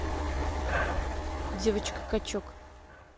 девочка качок